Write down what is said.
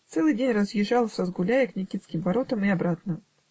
Целый день разъезжал с Разгуляя к Никитским воротам и обратно